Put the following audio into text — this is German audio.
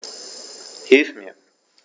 Hilf mir!